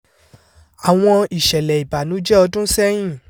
Àwọn ìṣẹ̀lẹ̀ ìbànújẹ́ ọdún sẹ́yìn